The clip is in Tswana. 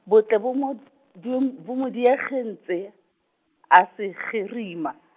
botle bo mo din- bo mo diege- ntse, a se gerima.